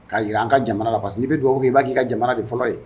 K'a jira an ka jamana la parce que n'i bɛ dugawu kɛ i b'a k'i ka jamana de fɔlɔ ye.